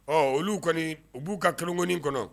Ɔ olu kɔni u b'u ka kelenk kɔnɔ